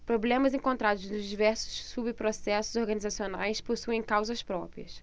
problemas encontrados nos diversos subprocessos organizacionais possuem causas próprias